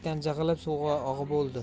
jig'ilib suvg'a og'ib o'ldi